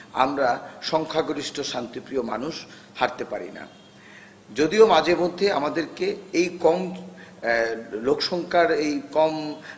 আমরা সংখ্যাগরিষ্ঠ শান্তিপ্রিয় মানুষ হারতে পারি না যদিও মাঝেমধ্যে আমাদেরকে এই কম লোকসংখ্যার এইকম